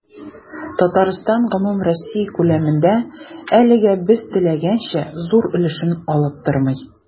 Татарстан гомумроссия күләмендә, әлегә без теләгәнчә, зур өлешне алып тормый.